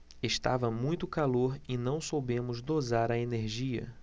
estava muito calor e não soubemos dosar a energia